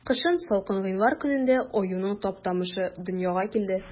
Кышын, салкын гыйнвар көнендә, аюның Таптамышы дөньяга килде.